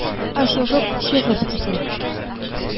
Ашыгып чыгып китә.